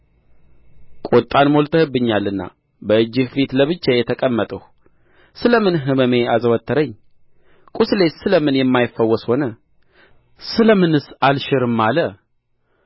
ቍጣን ሞልተህብኛልና በእጅህ ፊት ለብቻዬ ተቀመጥሁ ስለ ምን ሕመሜ አዘወተረኝ ቍስሌስ ስለ ምን የማይፈወስ ሆነ ስለ ምንስ አልሽርም አለ